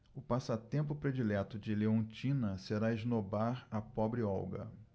o passatempo predileto de leontina será esnobar a pobre olga